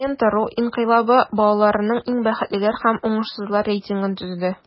"лента.ру" инкыйлаб балаларының иң бәхетлеләр һәм уңышсызлар рейтингын төзеде.